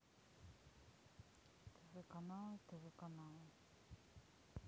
тв каналы тв каналы